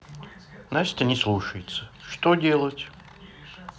настя не слушается что делать